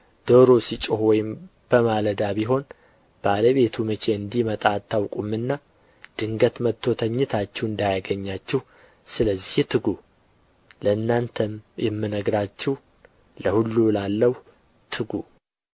ዶሮ ሲጮኽ ወይም በማለዳ ቢሆን ባለቤቱ መቼ እንዲመጣ አታውቁምና ድንገት መጥቶ ተኝታችሁ እንዳያገኛችሁ ስለዚህ ትጉ ለእናንተም የምነግራችሁ ለሁሉ እላለሁ ትጉ